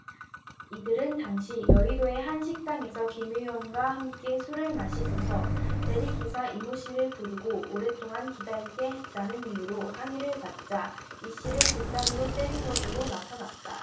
이들은 당시 여의도의 한 식당에서 김 의원과 함께 술을 마시고서 대리기사 이모씨를 부르고 오랫동안 기다리게 했다는 이유로 항의를 받자 이씨를 집단으로 때린 것으로 나타났다